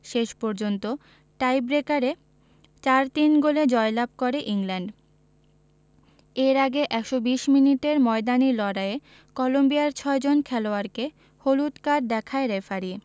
শেষ পর্যন্ত টাইট্রেকারে ৪ ৩ গোলে জয়লাভ করে ইংল্যান্ড এর আগে ১২০ মিনিটের ময়দানি লড়াইয়ে কলম্বিয়ার ছয়জন খেলোয়াড়কে হলুদ কার্ড দেখায় রেফারি